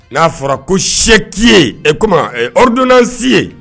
N'a fɔra ko sɛ'i ye tuma ɛ od si ye